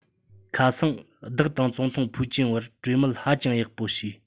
ཁ སང བདག དང ཙུང ཐུང ཕུའུ ཅིན བར གྲོས མོལ ཧ ཅང ཡག པོ བྱས